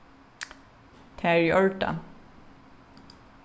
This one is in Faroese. tað er í ordan